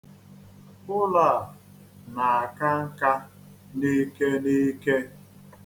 Ụlọ a na-aka nka n'ike n'ike.